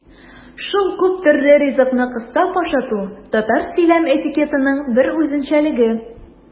Шул күптөрле ризыкны кыстап ашату татар сөйләм этикетының бер үзенчәлеге.